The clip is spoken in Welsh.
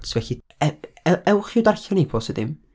Felly e- e- ewch i'w darllen hi, pobl sy' ddim.